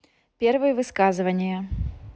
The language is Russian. первый высказывания